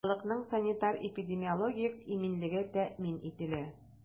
Халыкның санитар-эпидемиологик иминлеге тәэмин ителә.